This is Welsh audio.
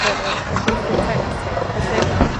Roedd y y gweithwyr trên ar streic. Felly